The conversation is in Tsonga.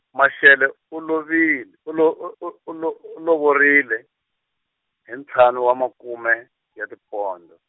Mashele u lovil-, u lo- u u u lo- u lovorile, hi ntlhanu wa makume, ya tipondo.